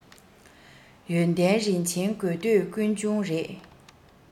ཡོན ཏན རིན ཆེན དགོས འདོད ཀུན འབྱུང རེད